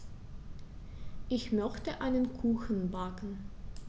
Ich möchte einen Kuchen backen.